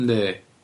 Yndi.